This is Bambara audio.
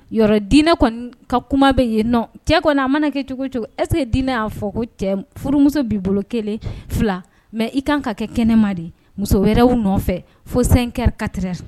Yɔrɔ diinɛ kɔni ka kuma bɛ yen cɛ kɔnɔ a mana kɛ cogo cogo esse diinɛ y'a fɔ ko cɛ furumuso bɛ bolo kelen fila mɛ i kan ka kɛ kɛnɛma de muso wɛrɛw nɔfɛ fosenkɛ katiɛrɛ